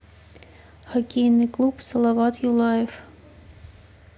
хоккейный клуб салават юлаев